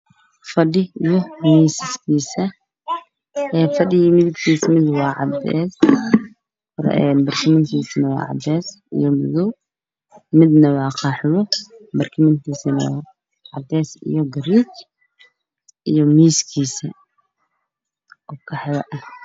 Waa qol waxaa yaalla fadhi madow iyo caddaan isku jira miis madow daahman ayaa ku xiran qolka waana qol qurux badan